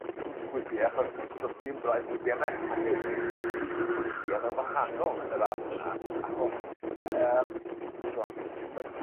gw- gwibie achos do's dim braidd gwibie 'me a hefyd crys y pwyntie mae e wahanol yn y ras yma... Ydi ydi. ...achos yy yym t'wo' m- m- my'